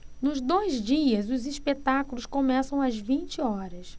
nos dois dias os espetáculos começam às vinte horas